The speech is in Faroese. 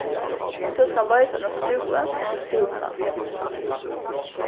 um tú skalt loysa eina skrúvu skalt tú skrúva hana til vinstru